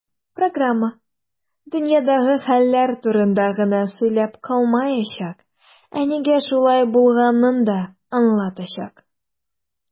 Программа "дөньядагы хәлләр турында гына сөйләп калмаячак, ә нигә шулай булганын да аңлатачак".